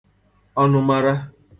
ọnụmara